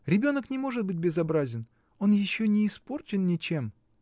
Ребенок не может быть безобразен. Он еще не испорчен ничем.